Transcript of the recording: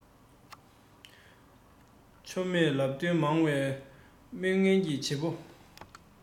ཆོ མེད ལབ བརྡོལ མང བའི དམོན ངན གྱི བྱེད པོ